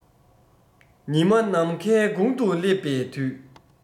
ཉི མ ནམ མཁའི དགུང དུ སླེབས པའི དུས